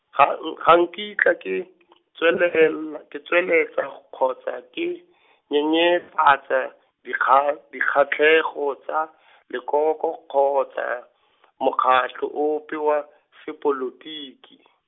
ga ng- ga nkitla ke , tswele ela, ke tsweletsa kgotsa ke , nyenyefatsa, dikgal- dikgatlego tsa , lekoko kgotsa , mokgatlho ope wa, sepolotiki.